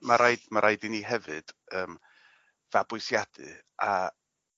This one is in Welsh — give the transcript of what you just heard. ...ma' raid ma' raid i ni hefyd yym fabwysiadu a